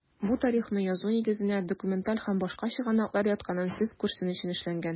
Бу тарихны язу нигезенә документаль һәм башка чыгынаклыр ятканын сез күрсен өчен эшләнгән.